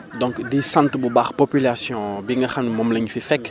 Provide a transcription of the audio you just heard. donc di sant bu baax population bi nga xam moom la ñu fi fekk